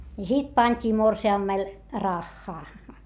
ja sitten pantiin morsiamelle rahaa